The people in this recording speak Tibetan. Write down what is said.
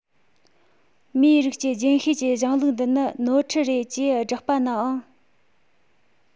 མིའི རིགས ཀྱི རྒྱུན ཤེས ཀྱིས གཞུང ལུགས འདི ནི ནོར འཁྲུལ རེད ཅེས བསྒྲགས པ ནའང